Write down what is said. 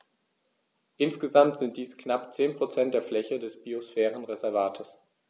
Insgesamt sind dies knapp 10 % der Fläche des Biosphärenreservates.